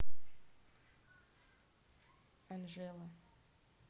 анжела